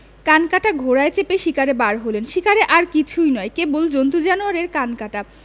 কানকাটা ঘোড়ায় চেপে শিকারে বার হলেন শিকার আর কিছুই নয় কেবল জন্তু জানোয়ারের কান কাটা